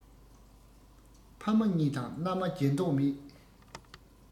ཕ མ གཉིས དང མནའ མ བརྗེ མདོག མེད